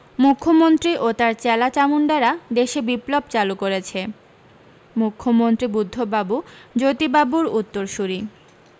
মুখ্যমন্ত্রী ও তার চেলাচামুন্ডারা দেশে বিপ্লব চালু করেছে মুখ্যমন্ত্রী বুদ্ধবাবু জ্যোতিবাবুর উত্তর সুরী